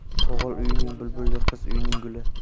o'g'il uyning bulbuli qiz uyning guli